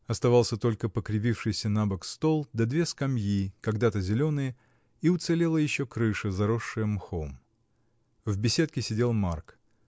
Оставался только покривившийся набок стол, да две скамьи, когда-то зеленые, и уцелела еще крыша, заросшая мхом. В беседке сидел Марк.